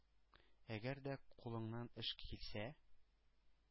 Әгәр дә кулыңнан эш килсә,